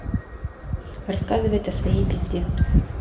рассказывает о своей пизде